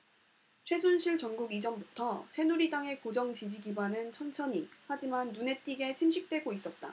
최순실 정국 이전부터 새누리당의 고정 지지 기반은 천천히 하지만 눈에 띄게 침식되고 있었다